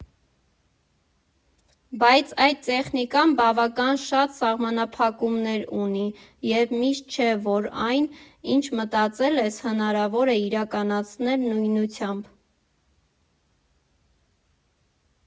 Բայց այդ տեխնիկան բավական շատ սահմանափակումներ ունի և միշտ չէ, որ այն, ինչ մտածել ես, հնարավոր է իրականացնել նույնությամբ։